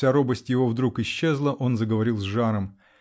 вся робость его вдруг исчезла -- он заговорил с жаром.